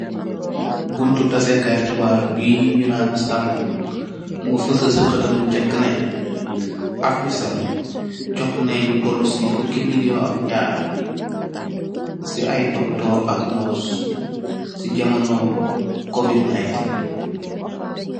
Buttu tasèh Kai xibarr bi ñi nan Standard mo fasal ci xatam bu njak neh Africell jox nen lu tollú ci fukki milyon ak ñaari si ay duktóór ak nus ci jamano kofik nayintin.